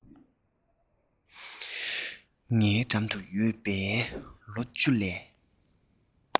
ངའི འགྲམ དུ ཡོད པའི ལོ བཅུ ལས